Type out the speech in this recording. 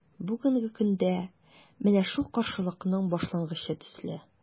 Бүгенге көндә – менә шул каршылыкның башлангычы төсле.